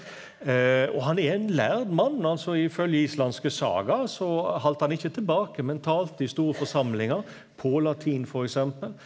og han er ein lærd mann, altså ifylgje islandske sagaer så haldt han ikkje tilbake men talte i store forsamlingar på latin, for eksempel.